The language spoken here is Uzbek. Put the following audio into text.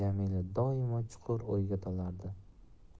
doimo chuqur o'yga tolardi